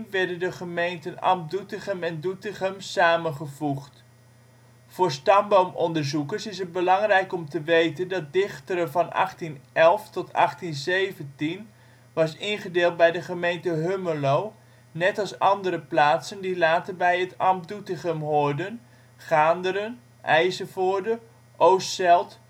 werden de gemeenten Ambt Doetinchem en Doetinchem samengevoegd. Voor stamboomonderzoekers is het belangrijk om te weten dat Dichteren van 1811 tot 1817 was ingedeeld bij de gemeente Hummelo, net als andere plaatsen die later bij het Ambt Doetinchem hoorden: Gaanderen, IJzevoorde, Oosseld